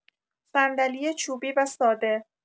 صندلی چوبی و ساده